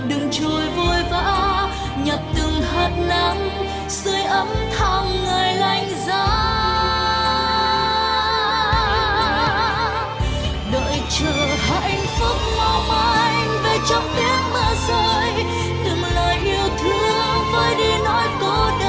đừng trôi vội vã nhặt từng hạt nắng sưởi ấm tháng ngày lạnh giá đợi chờ hạnh phúc mong manh về trong tiếng mưa rơi từng lời yêu thương vơi đi nỗi cô đơn